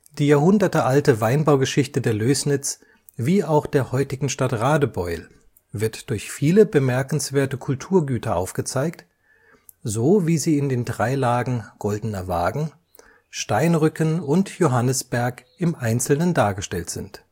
Die jahrhundertealte Weinbaugeschichte der Lößnitz wie auch der heutigen Stadt Radebeul wird durch viele bemerkenswerte Kulturgüter aufgezeigt, so wie sie in den drei Lagen Goldener Wagen, Steinrücken und Johannisberg im Einzelnen dargestellt sind